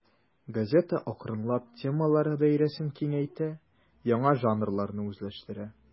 Газета акрынлап темалар даирәсен киңәйтә, яңа жанрларны үзләштерә.